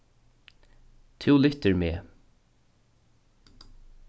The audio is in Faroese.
tú lyftir meg